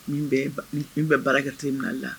Min bɛ baarakɛti mina la